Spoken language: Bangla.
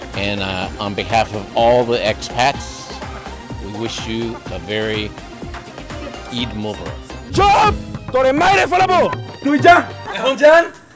and on behalf of all the aspects we wish you a very Eid Mubarak চোপ তোরে মাইরা ফালামু তুই যা